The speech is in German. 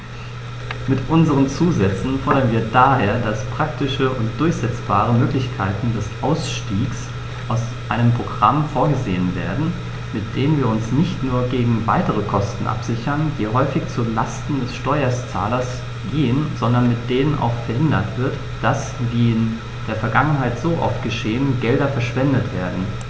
Mit unseren Zusätzen fordern wir daher, dass praktische und durchsetzbare Möglichkeiten des Ausstiegs aus einem Programm vorgesehen werden, mit denen wir uns nicht nur gegen weitere Kosten absichern, die häufig zu Lasten des Steuerzahlers gehen, sondern mit denen auch verhindert wird, dass, wie in der Vergangenheit so oft geschehen, Gelder verschwendet werden.